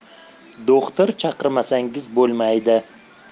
do'xtir chaqirmasangiz bo'lmaydi